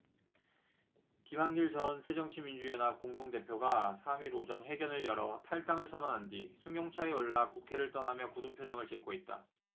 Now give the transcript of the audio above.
김한길 전 새정치민주연합 공동대표가 삼 일 오전 회견을 열어 탈당을 선언한 뒤 승용차에 올라 국회를 떠나며 굳은 표정을 짓고 있다